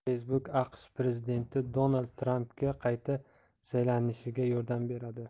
facebook aqsh prezidenti donald trampga qayta saylanishiga yordam beradi